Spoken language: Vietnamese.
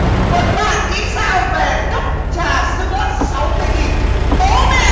còn bạn nghĩ sao về cốc trà sữa sáu mươi nghìn